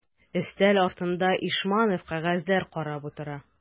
Өстәл артында Ишманов кәгазьләр карап утыра.